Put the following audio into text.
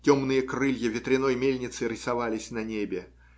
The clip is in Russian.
Темные крылья ветряной мельницы рисовались на небе